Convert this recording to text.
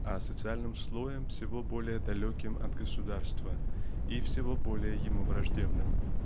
а социальным слоем всего более далеким от государства и всего более ему враждебным.